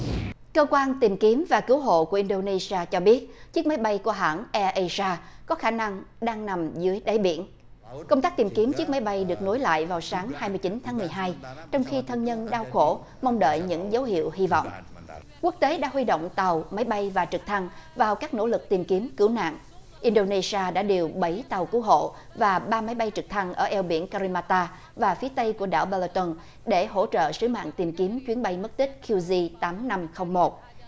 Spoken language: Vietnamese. cơ quan tìm kiếm và cứu hộ của in đô nê si a cho biết chiếc máy bay của hãng e ây ra có khả năng đang nằm dưới đáy biển công tác tìm kiếm chiếc máy bay được nối lại vào sáng hai mươi chín tháng mười hai trong khi thân nhân đau khổ mong đợi những dấu hiệu hy vọng quốc tế đã huy động tàu máy bay và trực thăng vào các nỗ lực tìm kiếm cứu nạn in đô nê si a đã điều bảy tàu cứu hộ và ba máy bay trực thăng ở eo biển ca ri ma ta và phía tây của đảo ba la tâng để hỗ trợ sứ mạng tìm kiếm chuyến bay mất tích kiu gi tám năm không một